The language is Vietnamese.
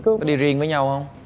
có đi riêng với nhau hông